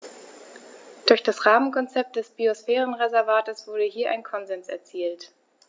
Durch das Rahmenkonzept des Biosphärenreservates wurde hier ein Konsens erzielt.